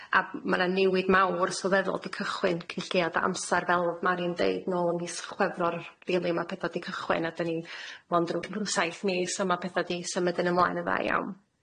A ma' na niwid mawr sylweddol di cychwyn cynlliad amsar fel marin deud nôl ym mis Chwefror rili ma' petha di cychwyn a dyn ni'n mond rw- ryw saith mis a ma' petha di symud yn- i mlaen yn dda iawn.